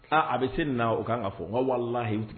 Aa a bɛ se n' o kan kaa fɔ n ka walayi